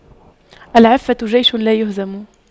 العفة جيش لايهزم